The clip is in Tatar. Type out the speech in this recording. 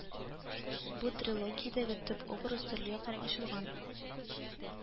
Бу трилогиядәге төп образ төрле яктан ачылган